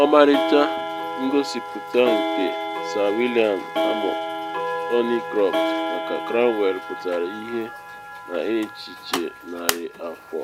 Ọmarịcha ngosipụta nke Sir William Hamo Thorneycroft maka Cromwell pụtara ihie n’echiche narị afọ